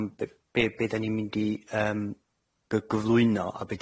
o ran be- be- be' dan ni'n mynd i yym gy- gyflwyno a be'